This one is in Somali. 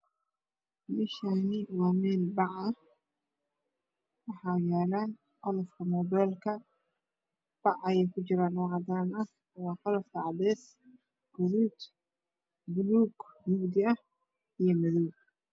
Meeshan waa meel bac ah waxaaylo qolofka mobeelka bac ayay kujiraan oocadaan ah waa qolofka cadees guduud bulug iyo mugdi ah iyo madoow